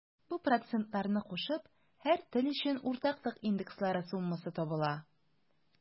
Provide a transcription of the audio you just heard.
Бу процентларны кушып, һәр тел өчен уртаклык индекслары суммасы табыла.